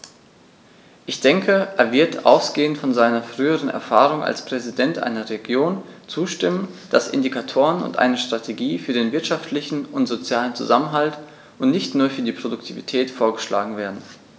Ich denke, er wird, ausgehend von seiner früheren Erfahrung als Präsident einer Region, zustimmen, dass Indikatoren und eine Strategie für den wirtschaftlichen und sozialen Zusammenhalt und nicht nur für die Produktivität vorgeschlagen werden.